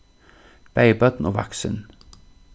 bæði børn og vaksin